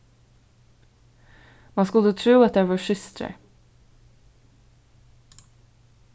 mann skuldi trúð at tær vóru systrar